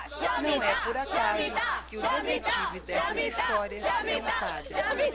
não é por acaso que o detetive dessas histórias é um padre